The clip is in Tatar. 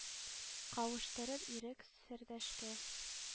Кавыштырып ирек-сердәшкә,